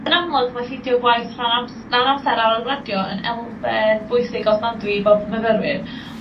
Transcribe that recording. Ma'n amlwg ma' ffeindio gwaith rhan ams- lawn amser ar ôl gradio yn elfen bwysig ofnadwy i bob myfyrwyr.